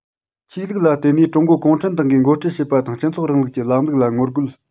ཆོས ལུགས ལ བརྟེན ནས གུང ཁྲན ཏང གིས འགོ ཁྲིད བྱེད པ དང སྤྱི ཚོགས རིང ལུགས ཀྱི ལམ ལུགས ལ ངོ རྒོལ